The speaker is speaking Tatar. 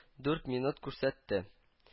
Дурт минут күрсәтте